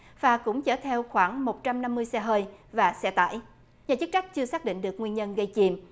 và cũng chở theo khoảng một trăm năm mươi xe hơi và xe tải nhà chức trách chưa xác định được nguyên nhân gây chìm